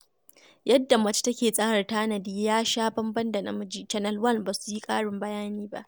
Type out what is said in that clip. Yadda mace take tsara tanadi ya sha bamban da na namiji, Channel One ba su yi ƙarin bayani ba.